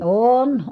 on